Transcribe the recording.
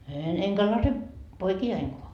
en enkä laske poikianikaan